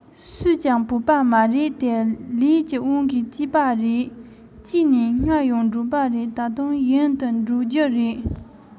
སུས ཀྱང བོས པ མ རེད དེ ལས ཀྱི དབང གིས སྐྱེས པ རེད སྐྱེས ནས སྔར ཡང འགྲོགས པ རེད ད དུང ཡུན དུ འགྲོགས རྒྱུ རེད